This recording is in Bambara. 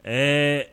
Ee